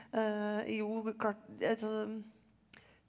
jo klart.